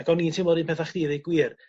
ac o'n i'n teimlo'r un petha chdi i ddeu gwir